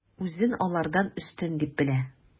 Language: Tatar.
Үзен алардан өстен дип белә.